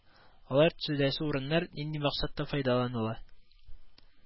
Алар төзеләсе урыннар нинди максатта файдаланыла